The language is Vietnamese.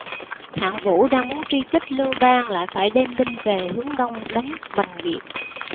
hạng vũ đang muốn truy kích lưu bang lại phải đem binh về hướng đông đánh bành việt